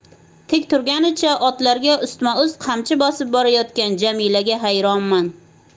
tik turganicha otlarga ustma ust qamchi bosib borayotgan jamilaga xayronman